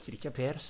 Ti'n licio pêrs?